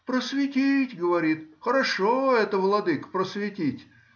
— Просветить,— говорит,— хорошо это, владыко, просветить.